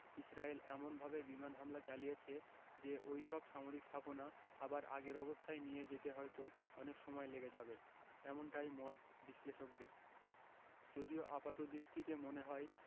Israel এমনভাবে বিমান হামলা চালিয়েছে যে ওই সব সামরিক স্থাপনা আবার আগের অবস্থায় নিয়ে যেতে হয়তো অনেক সময় লেগে যাবে এমনটাই মত বিশ্লেষকদের যদিও আপাতদৃষ্টিতে মনে হয়